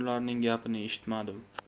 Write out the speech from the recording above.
ularning gapini eshitmadim